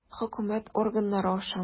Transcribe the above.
Хөкүмәт органнары аша.